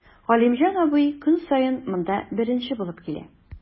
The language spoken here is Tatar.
Галимҗан абый көн саен монда беренче булып килә.